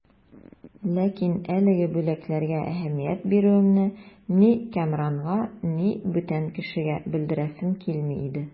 Ләкин әлеге бүләкләргә әһәмият бирүемне ни Кәмранга, ни бүтән кешегә белдерәсем килми иде.